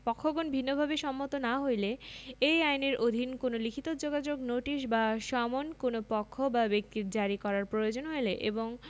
পক্ষগণ ভিন্নভাবে সম্মত না হইলে এই আইনের অধীন কোন লিখিত যোগাযোগ নোটিশ বা সমন কোন পক্ষ বা ব্যক্তির জারী করার প্রয়োজন হইলে এবং